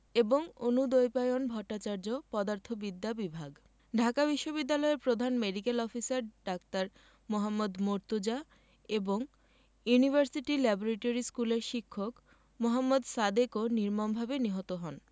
এবং অনুদ্বৈপায়ন ভট্টাচার্য পদার্থবিদ্যা বিভাগ ঢাকা বিশ্ববিদ্যালয়ের প্রধান মেডিক্যাল অফিসার ডা. মোহাম্মদ মর্তুজা এবং ইউনিভার্সিটি ল্যাবরেটরি স্কুলের শিক্ষক মোহাম্মদ সাদেকও নির্মমভাবে নিহত হন